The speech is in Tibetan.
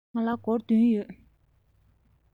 ང ལ སྒོར བདུན ཡོད